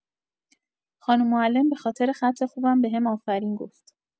خانم معلم به‌خاطر خط خوبم بهم آفرین گفت.